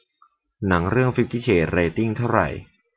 หนังเรื่องฟิฟตี้เชดส์เรตติ้งเท่าไหร่